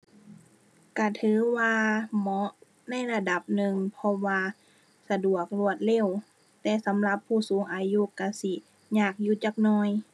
ก็ถือว่าเหมาะในระดับหนึ่ง เพราะว่าสะดวก รวดเร็ว แต่สำหรับผู้สูงอายุก็สิยากอยู่จักน้อย